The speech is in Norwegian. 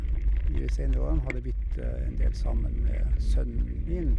I de seinere årene har det blitt en del sammen med sønnen min.